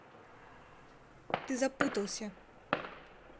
ты запутался